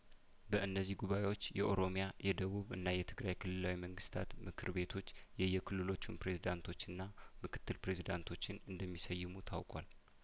በእነዚህ ጉባኤዎች የኦሮሚያ የደቡብ እና የትግራይ ክልላዊ መንግስታት ምክር ቤቶች የየክልሎቹን ፕሬዜዳንቶችና ምክትል ፕሬዚዳንቶችን እንደሚሰይሙ ታውቋል